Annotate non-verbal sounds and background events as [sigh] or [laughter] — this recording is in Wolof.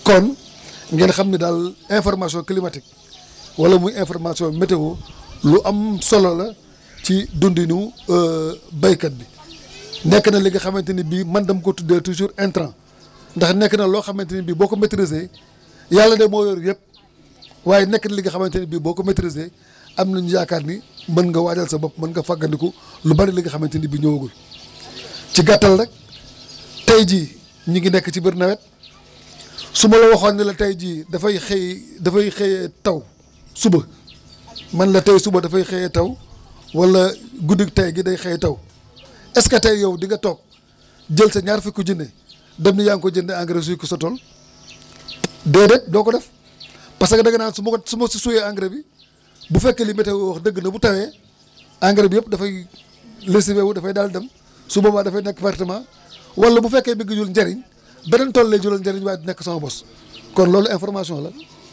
kon ngeen xam ni daal information climatique wala muy information météo lu am solo la ci dundinu [hesitation] béykat bi nekk na li nga xamante ni bi man da ma ko tuddee toujours intrant ndax nekk na loo xamante ni bi boo ko maitrisé yàlla de moo yor yëpp waaye nekk na li nga xamante ne bi boo komaitrisé [breath] am nañu yaakaar ni mën nga waajal sa bopp mën nga fagandiku [breath] lu bëri li nga xamante ne bi ñëwagul ci gàttal nag tey jii ñu ngi nekk ci biir nawet su ma la waxoon ne la tey jii dafay xëy dafay xëy taw suba mane la tey suba dafay xëyee taw wala guddi tey jii day xëyee taw est ce tey yow di nga toog jël sa ñaar fukki junni dem ni yaa ngi koy jëndee engrais suy ko sa tool déedéet doo ko def parce que da nga naan su ma ko su ma si suyee engrais bi bu fekkee li météo wax dëgg la bu tawee engrais bi yëpp dafay léssivé wu dafay daal di dem su boobaa dafay nekk pertement wala bu fekkee day jur njëriñ beneen tool lay jural njëriñ waaye du nekk sama bos kon loolu information la